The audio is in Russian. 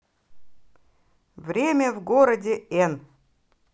время в городе н